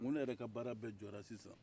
n ko ne yɛrɛ ka baara bɛɛ jɔra sisan